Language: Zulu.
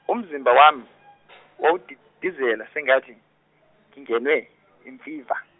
umzimba wami, wawudidizela, sengathi, ngingenwe imfiva.